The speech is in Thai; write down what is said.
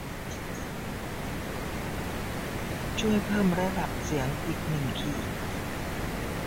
ช่วยเพิ่มระดับเสียงอีกหนึ่งขีด